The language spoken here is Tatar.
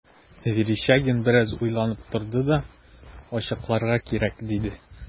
Верещагин бераз уйланып торды да: – Ачыкларга кирәк,– диде.